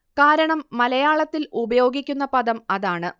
കാരണം മലയാളത്തിൽ ഉപയോഗിക്കുന്ന പദം അതാണ്